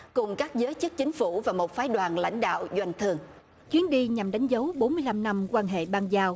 cùng các giới chức chính phủ và một phái đoàn lãnh đạo doanh thở chuyến đi nhằm đánh dấu bốn mươi lăm năm quan hệ bang giao